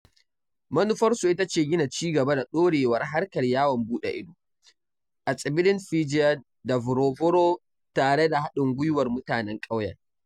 Manufarsu ita ce gina ci gaba da ɗorewar harkar yawon buɗe ido a tsibirin Fijian da Vorovoro tare da haɗin gwiwar mutanen ƙauyen.